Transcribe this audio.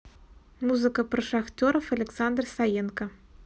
музыка про шахтеров александр саенко